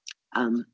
Yym.